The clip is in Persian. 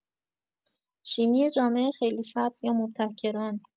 شیمی جامع خیلی سبز یا مبتکران؟